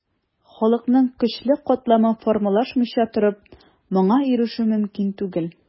Халыкның көчле катламы формалашмыйча торып, моңа ирешү мөмкин түгел.